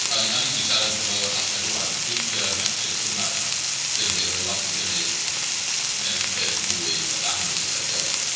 O'n i o'n i jyst yn siarad efo Sasha rŵan heibio'r metrics yma dan ni 'di wneud lot o gynnydd mewn ffyrdd mwy timod amwys ella tiod